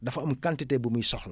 dafa am quantité bu muy soxla